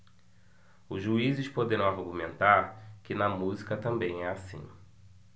os juízes poderão argumentar que na música também é assim